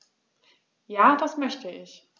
Ja, das möchte ich.